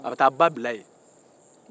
a bɛ taa ba bila yen